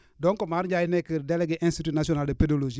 donc Mar Ndiaye nekk délégué institut national de pédologie